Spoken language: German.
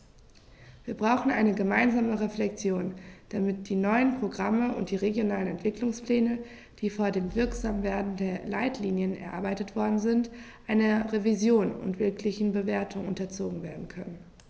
Wir brauchen eine gemeinsame Reflexion, damit die neuen Programme und die regionalen Entwicklungspläne, die vor dem Wirksamwerden der Leitlinien erarbeitet worden sind, einer Revision und wirklichen Bewertung unterzogen werden können.